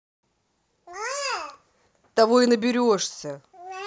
того и наберешься